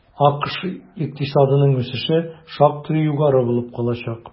АКШ икътисадының үсеше шактый югары булып калачак.